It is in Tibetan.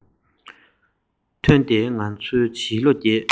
ཐོན ཏེ ང ཚོའི བྱིས བློ རྒྱས